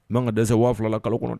N'an ka dɛsɛ waawulala kalo kɔnɔ